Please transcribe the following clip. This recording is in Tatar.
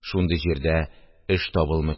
Шундый җирдә эш табылмый